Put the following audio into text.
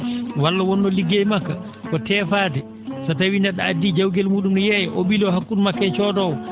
walla wonnoo liggey makka ko teefaade so tawii ne??o addii jawgel muu?um ne yeeya o ?iloo hakkude makko e coodoowo